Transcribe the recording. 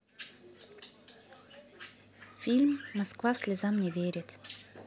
фильм москва слезам не верит